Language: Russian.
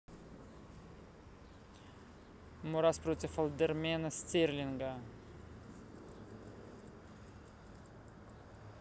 muras против олдермена стерлинга